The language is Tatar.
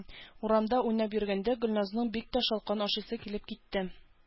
Урамда уйнап йөргәндә Гөльназның бик тә шалкан ашыйсы килеп китте